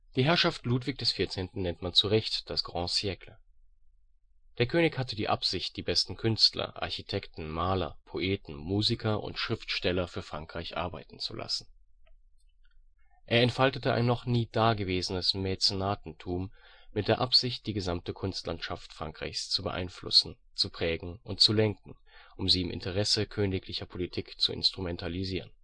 Herrschaft Ludwig XIV. nennt man zu Recht das „ Grand Siècle “. Der König hatte die Absicht, die besten Künstler, Architekten, Maler, Poeten, Musiker und Schriftsteller für Frankreich arbeiten zu lassen. Er entfaltete ein noch nie da gewesenes Mäzenatentum mit der Absicht die gesamte Kunstlandschaft Frankreichs zu beeinflussen, zu prägen und zu lenken, um sie im Interesse königlicher Politik zu instrumentalisieren